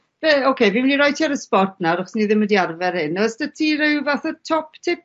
'Ce oce, fi myn' i roi ti ar y spot nawr achos ni ddim wedi arfer hyn o's 'da ti ryw fath o top tip